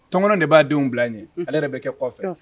Tɔnmɔn de b'a denw bila ye ale yɛrɛ bɛ kɛ kɔfɛ